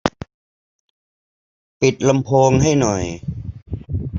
ปิดลำโพงให้หน่อย